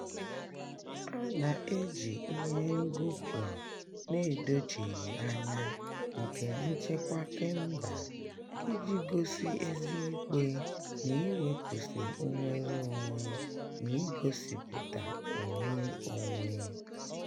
A na-eji ihe ngọpụ na-edocheghị anya nke "nchekwa kemba" iji gosi eziikpe n'iwepụsị nnwere onwe n'igosipụta onwe onye.